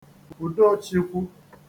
Udochikwu